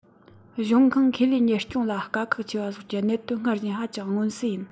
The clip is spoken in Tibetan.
གཞུང དབང ཁེ ལས གཉེར སྐྱོང ལ དཀའ ཁག ཆེ བ སོགས ཀྱི གནད དོན སྔར བཞིན ཧ ཅང མངོན གསལ ཡིན